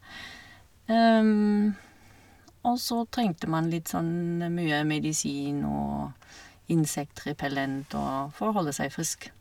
Og så trengte man litt sånn mye medisin og insekt repellent og for å holde seg frisk.